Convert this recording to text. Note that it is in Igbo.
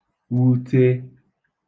wute